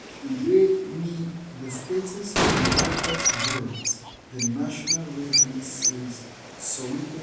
Ìwée nì The Status of Nepal's Birds: The National Red List Series sọ wípé: